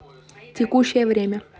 текущее время